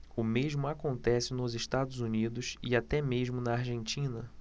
o mesmo acontece nos estados unidos e até mesmo na argentina